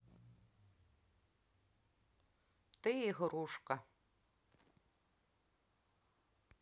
ты игрушка